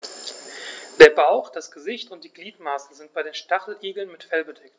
Der Bauch, das Gesicht und die Gliedmaßen sind bei den Stacheligeln mit Fell bedeckt.